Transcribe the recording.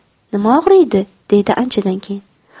nima og'riydi deydi anchadan keyin